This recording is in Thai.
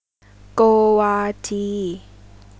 โกวาจี